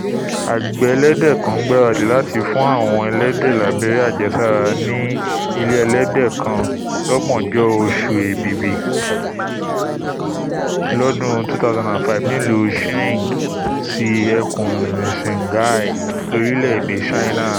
Àgbẹ̀ ẹlẹ́dẹ̀ kan ńgbaradì láti fún àwọn ẹlẹ́dẹ̀ lábẹ́rẹ́ àjẹsára ní ilé ẹlẹ́dẹ̀ kan lọ́gbọ̀njọ́, Oṣù Ẹ̀bibi, lọ́dun 2005 nílù Xining ti Ẹkùn Qinghai, lorílẹ̀-èdè Ṣáínà.